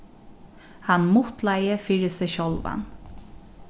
hann mutlaði fyri seg sjálvan